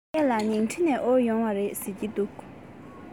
ཟེར ཡས ལ ཉིང ཁྲི ནས དབོར ཡོང བ རེད ཟེར གྱིས